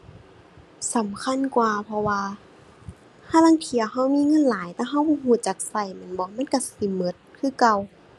สำคัญกว่า เพราะว่าห่าลางเที่ยเรามีเงินหลายแต่เราบ่เราจักเราแม่นบ่ มันเราสิเราคือเก่า